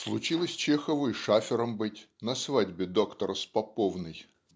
Случилось Чехову и шафером быть - на свадьбе доктора с поповной